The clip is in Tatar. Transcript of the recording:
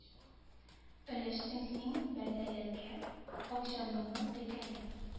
Өләштең син бәндәләргә ак җаныңны телгәләп